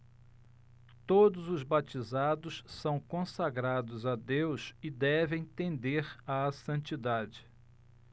todos os batizados são consagrados a deus e devem tender à santidade